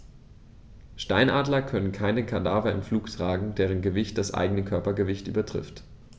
Steinadler können keine Kadaver im Flug tragen, deren Gewicht das eigene Körpergewicht übertrifft.